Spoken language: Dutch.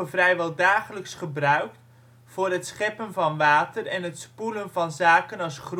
vrijwel dagelijks gebruikt voor het scheppen van water en het spoelen van zaken als